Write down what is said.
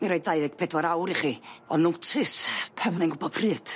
Mi roi dau ddeg pedwar awr i chi, o notice pan fyddai'n gwbo pryd.